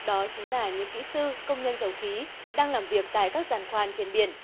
đó chính là những kỹ sư công nhân dầu khí đang làm việc tại các giàn khoan trên biển